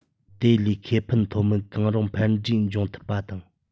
དེ ལས ཁེ ཕན ཐོབ མིན གང རུང ཕན འབྲས འབྱུང ཐུབ པ དང